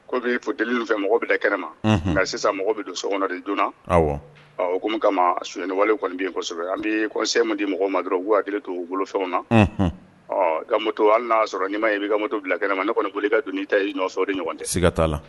Ko bɛ fɔ deli fɛ mɔgɔ bɛ kɛnɛma sisan mɔgɔ bɛ don so kɔnɔ de donna komi kama sunjata wale kɔni bɛsɛbɛ an bɛ semu di mɔgɔ ma dɔrɔn hakili t' u bolo fɛnw nato hali y'a sɔrɔ'i ma ye i bɛimoto bila kɛnɛ ma ne kɔnioli ka don'i ta ɲɔ de ɲɔgɔn tɛ ska la